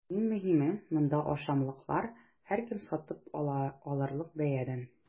Иң мөһиме – монда ашамлыклар һәркем сатып алырлык бәядән!